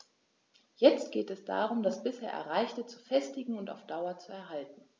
Jetzt geht es darum, das bisher Erreichte zu festigen und auf Dauer zu erhalten.